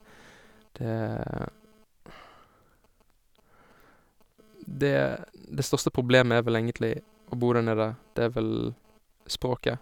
det det Det største problemet er vel egentlig å bo der nede, det er vel språket.